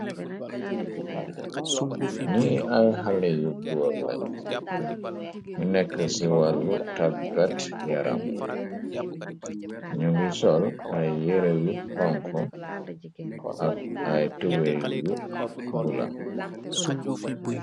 Ni ay xalé yu góor lani ñu nekk ci wàllu taggat yaram ñu ngi sol ay yeré yu xonx ak ay tuwéy yu bula.